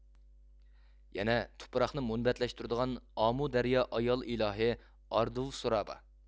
يەنە تۇپراقنى مۇنبەتلەشتۈرىدىغان ئامۇ دەريا ئايال ئىلاھى ئاردىۋسۇرا بار